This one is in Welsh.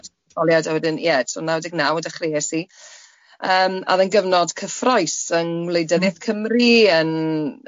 ...etholiad a wedyn ie, so naw deg naw y dechreuais i yym a oedd e'n gyfnod cyffrous yng ngwleidyddiaeth Cymru yn yym.